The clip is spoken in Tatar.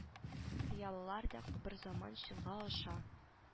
Хыяллар да берзаман чынга аша